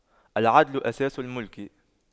العدل أساس الْمُلْك